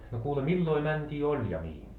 no kuule milloin mentiin oljamiin